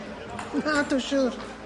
Nadw siŵr.